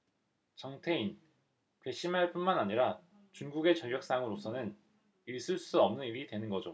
정태인 괘씸할 뿐만 아니라 중국의 전략상으로서는 있을 수 없는 일이 되는 거죠